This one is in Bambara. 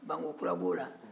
bankokura b'ola